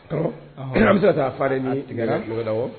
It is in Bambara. Awɔ. Ɔhɔn An bɛ se ka taa parain ɲini ka kɛ. Nɛgɛla. Awɔ.